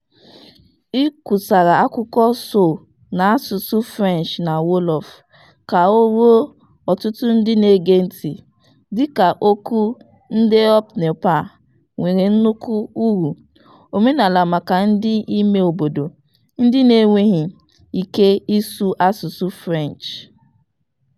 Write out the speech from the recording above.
E kwusara akụkọ Sow n'asụsụ French na Wolof ka o ruo ọtụtụ ndị na-ege ntị, dịka okwu 'ndeup neupal' nwere nnukwu uru omenala maka ndị imeobodo ndị na-enweghị ike ịsụ asụsụ French.